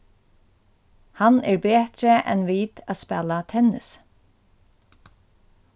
hann er betri enn vit at spæla tennis